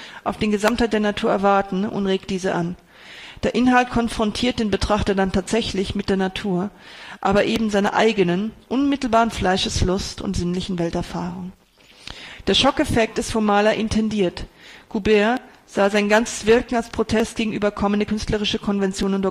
auf die Gesamtheit der Natur erwarten und regt diese an. Der Inhalt konfrontiert den Betrachter dann tatsächlich mit der Natur: aber eben seiner eigenen, unmittelbaren „ Fleischeslust “und sinnlichen Welterfahrung. Der Schockeffekt ist vom Maler intendiert: Courbet sah sein ganzes Wirken als Protest gegen überkommene künstlerische Konvention